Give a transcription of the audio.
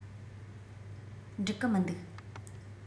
འགྲིག གི མི འདུག